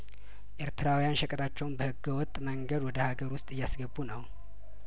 ኤርትራውያን ሸቀጣቸውን በህገወጥ መንገድ ወደ ሀገር ውስጥ እያስገቡ ነው